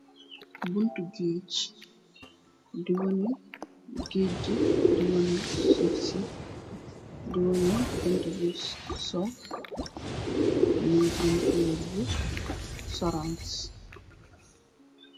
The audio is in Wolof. Buntu géej di wane gèej bi di wane sufsi di wane jant bi so mu ngi am coloor bu sorans.